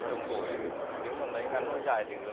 trồng dổi để nếu mà lấy ngắn nuôi dài thì ờ